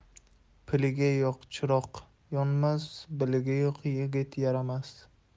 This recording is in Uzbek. piligi yo'q chiroq yonmas biligi yo'q yigit yaramas